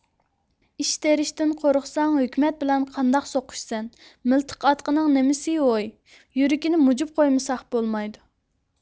ئىش تېرىشتىن قورقساڭ ھۆكۈمەت بىلەن قانداق سوقۇشىسەن مىلتىق ئاتقىنىڭ نېمىسى ھوي يۈرىكىنى موجۇپ قويمىساق بولمايدۇ